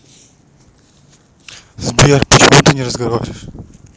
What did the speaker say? сбер почему ты не разговариваешь